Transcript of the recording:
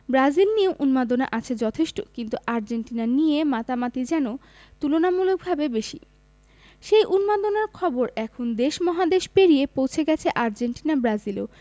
Brazil নিয়েও উন্মাদনা আছে যথেষ্ট কিন্তু আর্জেন্টিনা নিয়ে মাতামাতিই যেন তুলনামূলকভাবে বেশি আর সেই উন্মাদনার খবর এখন দেশ মহাদেশ পেরিয়ে পৌঁছে গেছে আর্জেন্টিনা ব্রাজিলেও